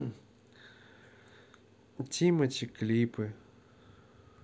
тимати клипы